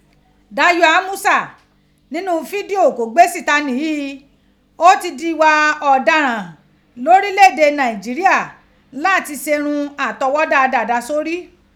Dayo Amusa ninu fidio ko gbe sita ni ghii, o ti di igha ọdaran ni orilẹ ede Naijiria lati se irun atọghọda Dàda sórí.